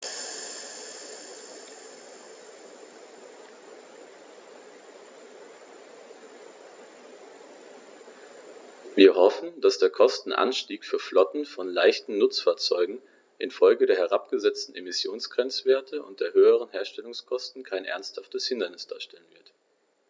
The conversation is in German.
Wir hoffen, dass der Kostenanstieg für Flotten von leichten Nutzfahrzeugen in Folge der herabgesetzten Emissionsgrenzwerte und der höheren Herstellungskosten kein ernsthaftes Hindernis darstellen wird.